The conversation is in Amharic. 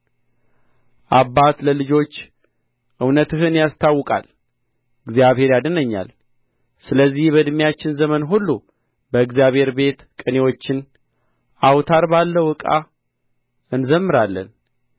አባት ለልጆች እውነትህን ያስታውቃል እግዚአብሔር ያድነኛል ስለዚህ በዕድሜያችን ዘመን ሁሉ በእግዚአብሔር ቤት ቅኔዎችን አውታር ባለው ዕቃ እንዘምራለን